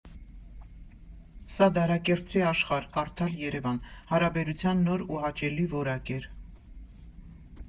Սա դարակերտցի֊աշխարհ (կարդալ՝Երևան) հարաբերության նոր ու հաճելի որակ էր…